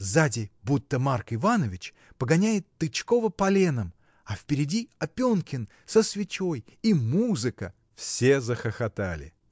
Сзади будто Марк Иванович погоняет Тычкова поленом, а впереди Опенкин, со свечой, и музыка. Все захохотали.